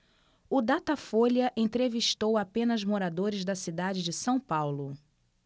o datafolha entrevistou apenas moradores da cidade de são paulo